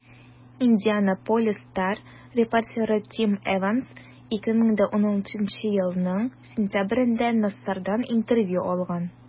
«индианаполис стар» репортеры тим эванс 2016 елның сентябрендә нассардан интервью алган.